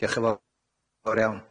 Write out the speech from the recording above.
Diolch yn fow- fawr iawn.